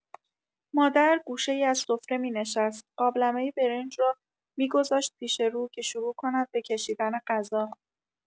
مادر گوشه‌ای از سفره می‌نشست، قابلمه برنج را می‌گذاشت پیش رو که شروع کند به کشیدن غذا.